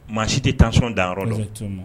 Maa si tɛ tension s danyɔrɔ dɔn effectivement